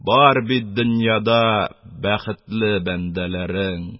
Бар бит дөньяда бәхетле бәндәләрең!